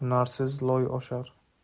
hunarsiz loy oshar